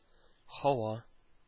Һава